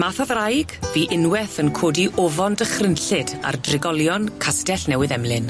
Math o ddraig fu unweth yn codi ofon dychrynllyd ar drigolion Castell Newydd Emlyn.